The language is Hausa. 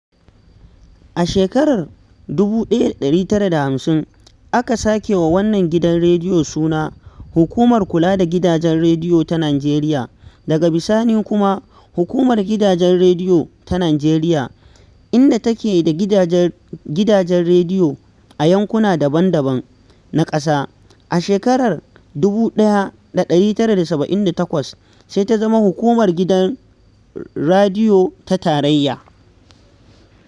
A shekarar 1950 aka sake wa wannan gidan rediyo suna Hukumar Kula da Gidajen Rediyo Ta Nijeriya, daga bisani kuma Hukumar Gidajen Radiyo Ta Nijeriya, inda take da gidajen rediyo a yankuna daban-daban na ƙasa. A shekarar 1978 sai ta zama Hukumar Gidan Radiyo ta Tarayya.